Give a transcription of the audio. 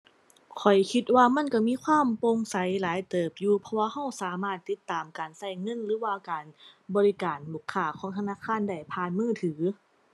ข้อยคิดว่ามันก็มีความโปร่งใสหลายเติบอยู่ เพราะว่าก็สามารถติดตามการก็เงินหรือว่าการบริการลูกค้าของธนาคารได้ผ่านมือถือ